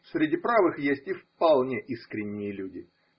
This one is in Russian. Среди правых есть и вполне искренние люди.